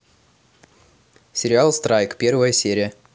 сериал страйк первая серия